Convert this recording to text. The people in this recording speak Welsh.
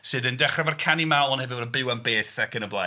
Sydd yn dechrau efo'r canu mawl ond hefyd yn byw am byth ac yn y blaen.